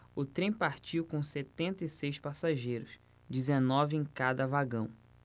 o trem partiu com setenta e seis passageiros dezenove em cada vagão